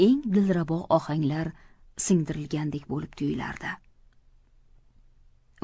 eng dilrabo ohanglar singdirilgandek bo'lib tuyulardi